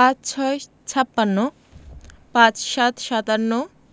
৫৬ ছাপ্পান্ন ৫৭ সাতান্ন